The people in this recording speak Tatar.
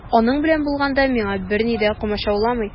Аның белән булганда миңа берни дә комачауламый.